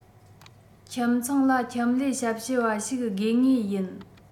ཁྱིམ ཚང ལ ཁྱིམ ལས ཞབས ཞུ བ ཞིག དགོས ངེས ཡིན